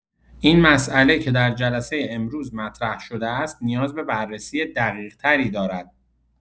این مسئله که در جلسه امروز مطرح شده است، نیاز به بررسی دقیق‌تری دارد.